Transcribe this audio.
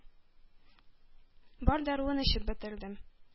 Бар даруын эчеп бетердем.